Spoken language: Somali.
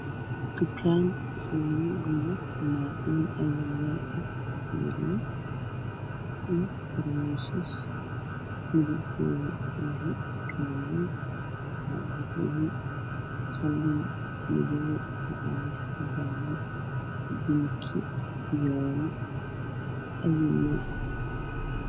Dukaan lagu iibiyo maacuun ay nooc ah.bateriyo, karmuusas midabkooda yahay kala nuuc waa dahabi, qalin, madow, cagaar, jaalle ,binki, biyoono ay nooc .